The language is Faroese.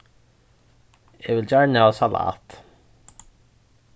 eg vil gjarna hava salat